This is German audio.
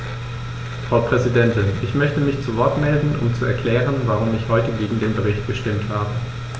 Frau Präsidentin, ich möchte mich zu Wort melden, um zu erklären, warum ich heute gegen den Bericht gestimmt habe.